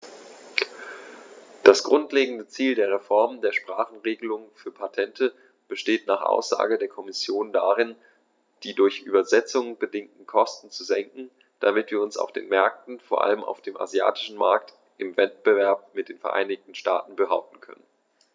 Das grundlegende Ziel der Reform der Sprachenregelung für Patente besteht nach Aussage der Kommission darin, die durch Übersetzungen bedingten Kosten zu senken, damit wir uns auf den Märkten, vor allem auf dem asiatischen Markt, im Wettbewerb mit den Vereinigten Staaten behaupten können.